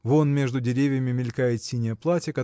Вон между деревьями мелькает синее платье